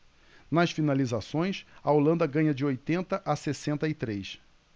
nas finalizações a holanda ganha de oitenta a sessenta e três